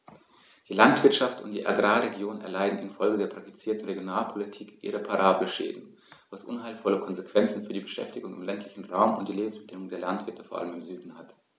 Die Landwirtschaft und die Agrarregionen erleiden infolge der praktizierten Regionalpolitik irreparable Schäden, was unheilvolle Konsequenzen für die Beschäftigung im ländlichen Raum und die Lebensbedingungen der Landwirte vor allem im Süden hat.